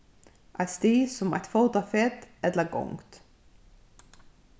eitt stig sum eitt fótafet ella gongd